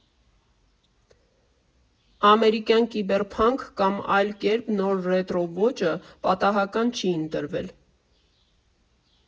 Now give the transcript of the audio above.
Ամերիկյան կիբերփանկ կամ, այլ կերպ՝ նոր ռետրո ոճը պատահական չի ընտրվել։